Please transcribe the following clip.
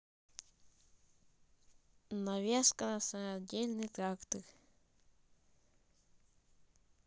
навеска на самодельный трактор